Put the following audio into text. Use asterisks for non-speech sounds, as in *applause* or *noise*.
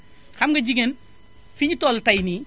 xam nga jigéen fi ñu toll tay nii *noise*